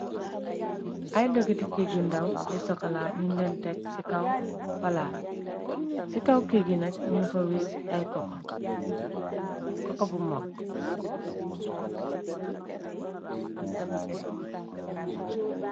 Ay dogiti kégg yu ndaw yi sokala nin leen tekk ci kaw palaat ci kaw kéggi nag ñuy fa wis ay koko koko bu mokk.